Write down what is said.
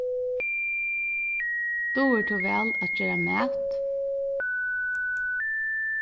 dugir tú væl at gera mat